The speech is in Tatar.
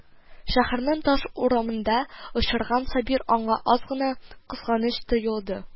Шәһәрнең таш урамында очраган Сабир аңа аз гына кызганыч тоелды